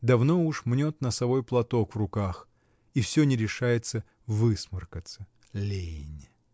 Давно уж мнет носовой платок в руках — и всё не решается высморкаться: лень.